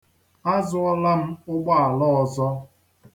A zụọla m ụgbọala ọzọ.